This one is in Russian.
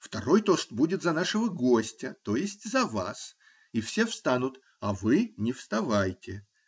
Второй тост будет за нашего гостя, т.е. за вас, и все встанут, а вы не вставайте.